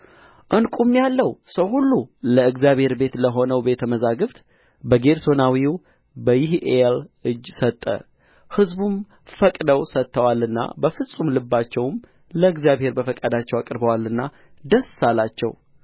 ዕንቍም ያለው ሰው ሁሉ ለእግዚአብሔር ቤት ለሆነው ቤተ መዛግብት በጌድሶናዊው በይሒኤል እጅ ሰጠ ሕዝቡም ፈቅደው ሰጥተዋልና በፍጹም ልባቸውም ለእግዚአብሔር በፈቃዳቸው አቅርበዋልና ደስ አላቸው